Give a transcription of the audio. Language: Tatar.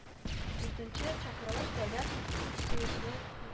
Дүртенче чакырылыш дәүләт сыелышы